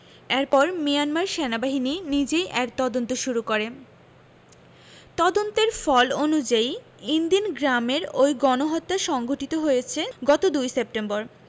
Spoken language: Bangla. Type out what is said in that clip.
এরপর মিয়ানমার সেনাবাহিনী নিজেই এর তদন্ত শুরু করে তদন্তের ফল অনুযায়ী ইনদিন গ্রামের ওই গণহত্যা সংঘটিত হয়েছে গত ২ সেপ্টেম্বর